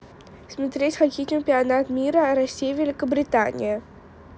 смотреть хоккей чемпионат мира россия великобритания